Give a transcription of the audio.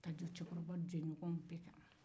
ka don cɛkɔrɔba jɛɲɔgɔ bɛɛ kan